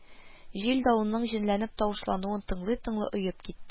Җил-давылның җенләнеп тавышлануын тыңлый-тыңлый оеп китте